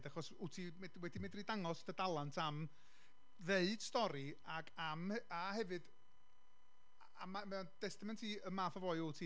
achos wyt ti wed- wedi medru dangos dy dalent am ddeud stori ac am, a hefyd, a a mae mae o'n destament i y math o foi wyt ti,